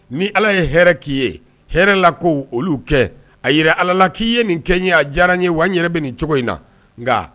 Ni ala ye hɛrɛ k'i ye, hɛrɛla ko olu kɛ. A jira Ala la k'i ye nin kɛ n ye, a diyara n ye wa n yɛrɛ bɛ nin cogo in na nka